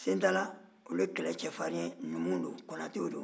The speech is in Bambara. sentala olu ye kɛlɛcɛfarin ye numuw don konatɛw don